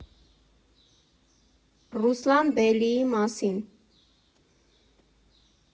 Ռուսլան Բելիի մասին։